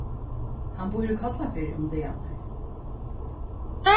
hann býr í kollafirði um dagarnar